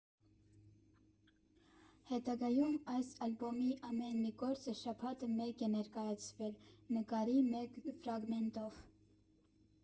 Հետագայում այս ալբոմի ամեն մի գործը շաբաթը մեկ է ներկայացվել՝ նկարի մեկ ֆրագմենտով։